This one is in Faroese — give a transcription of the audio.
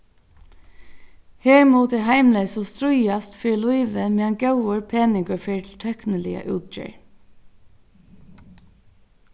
her mugu tey heimleysu stríðast fyri lívið meðan góður peningur fer til tøkniliga útgerð